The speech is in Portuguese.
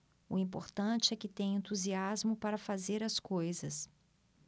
o importante é que tenho entusiasmo para fazer as coisas